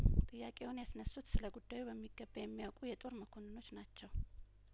ጥያቄውን ያነሱት ስለጉዳዩ በሚገባ የሚያውቁ የጦር መኮንኖች ናቸው